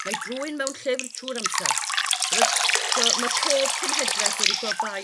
ma' 'i drwyn mewn llyfr trw'r amser ch'mod so ma' pob cenhedlaeth wedi gwel' bai